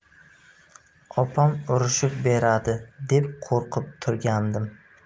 opam urishib beradi deb qo'rqib turgandim